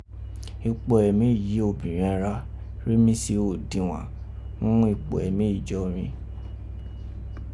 Ipo ẹ̀mí yìí obìrẹn gha rèé mi se odinwàn ghún ipo ẹ̀mí ijo rin.